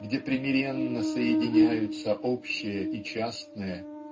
где примиренно соединяются общее и частное